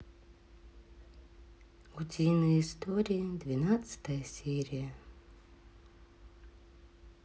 утиные истории двенадцатая серия